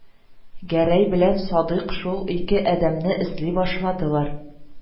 Гәрәй белән Садыйк шул ике адәмне эзли башладылар